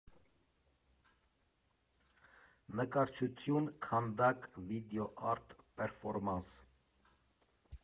Նկարչություն, քանդակ, վիդեոարտ, պերֆորմանս։